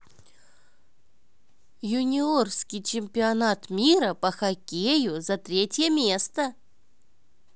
юниорский чемпионат мира по хоккею за третье место